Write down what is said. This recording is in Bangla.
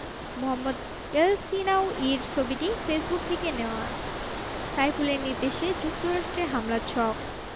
মোহাম্মদ এলসহিনাউয়ির ছবিটি ফেসবুক থেকে নেওয়া সাইফুলের নির্দেশে যুক্তরাষ্ট্রে হামলার ছক